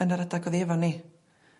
Yn yr adag o'dd 'i efo ni.